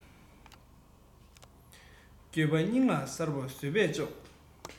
གྱོན པ རྙིངས ན གསར པ བཟོས པས ཆོག